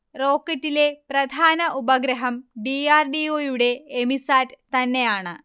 റോക്കറ്റിലെ പ്രധാന ഉപഗ്രഹം D. R. D. O. യുടെ എമിസാറ്റ് തന്നെയാണ്